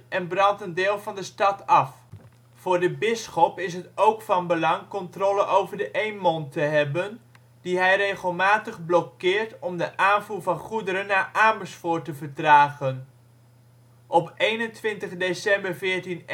en brandt een deel van de stad af. Voor de bisschop is het ook van belang controle over de Eem-mond te hebben, die hij regelmatig blokkeert om de aanvoer van goederen naar Amersfoort te vertragen. Op 21 december 1481